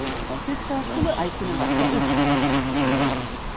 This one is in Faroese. men fiskar skulu eisini vaska upp